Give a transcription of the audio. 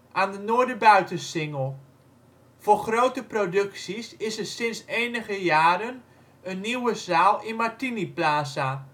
aan de Noorderbuitensingel. Voor grote producties is er sinds enige jaren een nieuwe zaal in Martiniplaza